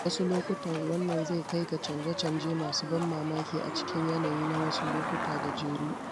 A wasu lokutan wannan zai kai ga canje-canje masu ban mamaki a cikin yanayi na wasu lokuta gajeru.